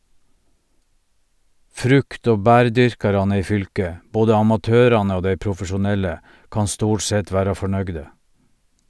Frukt- og bærdyrkarane i fylket, både amatørane og dei profesjonelle, kan stort sett vera fornøgde.